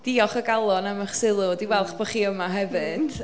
Diolch o galon am eich sylw. Dwi'n falch bod chi yma hefyd.